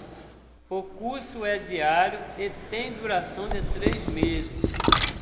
o curso é diário e tem duração de três meses